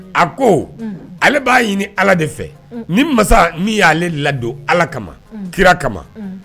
A ko ale b'a ɲini ala de fɛ ni masa min y'ale ladon ala kama kira kama